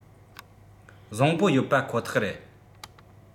བཟང པོ ཡོད པ ཁོ ཐག རེད